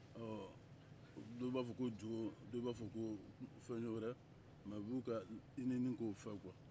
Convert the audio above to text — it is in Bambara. ɛɛ dɔw b'a fɔ ko jo dɔw b'a fɔ ko fɛ wɛrɛ mɛ u b'u ka ɲininni k'o fɛn fɛ